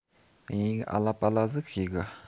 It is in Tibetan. དབྱིན ཡིག ཨ ལ པ ལ ཟིག ཤེས གི